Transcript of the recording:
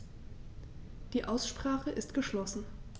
Die Aussprache ist geschlossen.